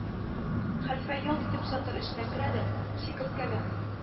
Хәлфә ялт итеп чатыр эченә керә дә, Чикерткәгә: